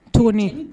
To